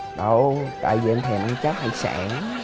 đâu tại vì em thèm ăn cháo hải sản